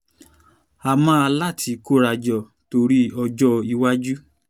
Àmọ́ a láti kórajọ torí ọjọ́-iwájú.”